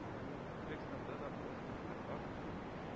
Үзбәкстанда да урыс демократлар,